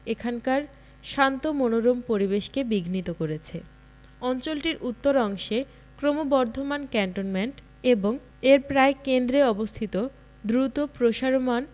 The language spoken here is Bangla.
এখানকার শান্ত মনোরম পরিবেশকে বিঘ্নিত করেছে অঞ্চলটির উত্তর অংশে ক্রমবর্ধমান ক্যান্টনমেন্ট এবং এর প্রায় কেন্দ্রে অবস্থিত দ্রুত প্রসারমাণ